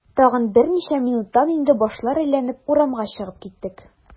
Тагын берничә минуттан инде башлар әйләнеп, урамга чыгып киттек.